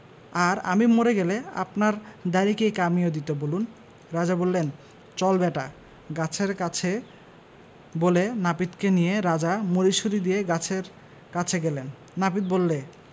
আর আমি মরে গেলে আপনার দাড়ি কে কামিয়ে দিত বলুন রাজা বললেনচল ব্যাটা গাছের কাছে বলে নাপিতকে নিয়ে রাজা মুড়িসুড়ি দিয়ে গাছের কাছে গেলেন নাপিত বললে